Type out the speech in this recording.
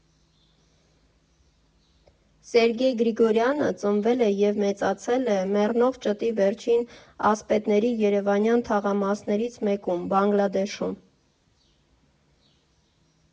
Սերգեյ Գրիգորյանը ծնվել և մեծացել է «մեռնող ճշտի վերջին ասպետների» երևանյան թաղամասերից մեկում՝ Բանգլադեշում։